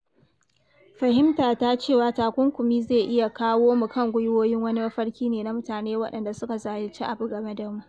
“Fahimta ta cewa takunkumi zai iya kawo mu kan gwiwowinmu wani mafarki ne na mutane waɗanda suka zahilci abu game da mu.